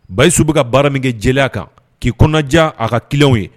Bayi su bɛ ka baara min kɛ jeliya kan k'i kɔnɔjan a ka kelen ye